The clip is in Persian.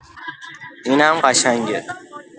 اینم قشنگه!